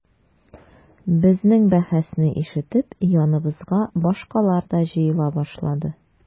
Безнең бәхәсне ишетеп яныбызга башкалар да җыела башлады.